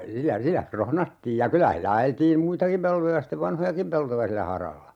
sillä sillä krohnattiin ja kyllä sillä ajeltiin muitakin peltoja sitten vanhojakin peltoja sillä haralla